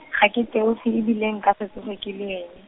ga ke Teofo e bile nka se tsoge ke le ene.